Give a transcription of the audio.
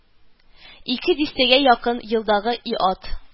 Ике дистәгә якын елдагы и ат